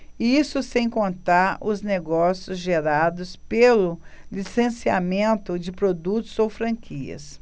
isso sem contar os negócios gerados pelo licenciamento de produtos ou franquias